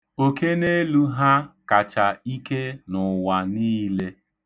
Okeneelu ha kacha ike n'ụwa niile.